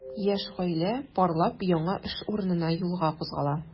Яшь гаилә парлап яңа эш урынына юлга кузгала.